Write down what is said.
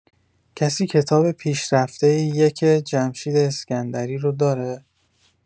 کسی کتاب پیشرفته یک جمشید اسکندری رو داره؟